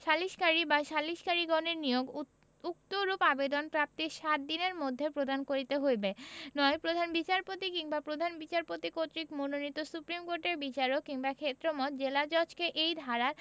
সালিসকারী বা সালিসকারীগণের নিয়োগ উক্তরূপ আবেদন প্রাপ্তির ষাট দিনের মধ্যে প্রদান করিতে হইবে ৯ প্রধান বিচারপতি কিংবা প্রধান বিচারপাতি কর্তৃক মনোনীত সুপ্রীম কোর্টের বিচারক কিংবা ক্ষেত্রমত জেলাজজকে এই ধারার